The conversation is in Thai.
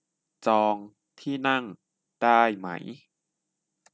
จองที่นั่งได้ไหม